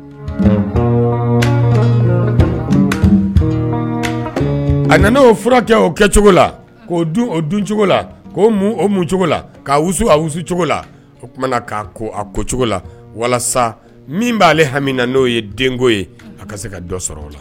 A fura kɛ o kɛ k' dun k ksu o k'a a walasa min b'ale ha n'o ye denko ye a se ka sɔrɔ o la